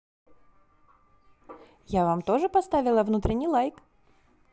я вам тоже поставила внутренний лайк